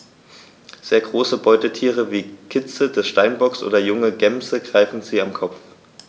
Sehr große Beutetiere wie Kitze des Steinbocks oder junge Gämsen greifen sie am Kopf.